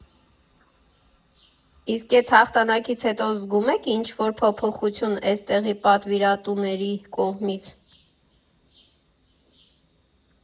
Իսկ էդ հաղթանակից հետո զգում ե՞ք ինչ֊որ փոփոխություն էստեղի պատվիրատուների կողմից։